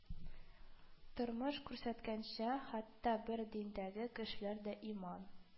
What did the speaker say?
Тормыш күрсәткәнчә, хәтта бер диндәге кешеләр дә иман